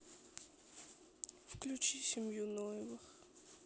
включи семью ноевых